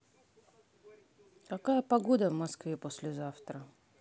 какая погода в москве послезавтра